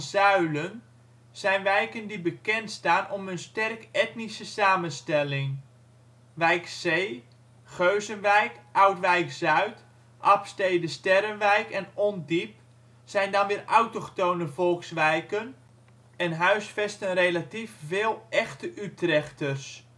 Zuilen zijn wijken die bekend staan om hun sterk etnische samenstelling. [bron?] Wijk C, Geuzenwijk, Oudwijk-Zuid, Abstede/Sterrenwijk en Ondiep zijn dan weer autochtone volkswijken, en huisvesten relatief veel " échte Utrechters